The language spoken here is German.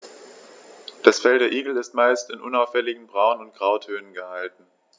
Das Fell der Igel ist meist in unauffälligen Braun- oder Grautönen gehalten.